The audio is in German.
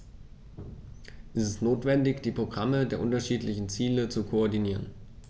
Es ist notwendig, die Programme der unterschiedlichen Ziele zu koordinieren.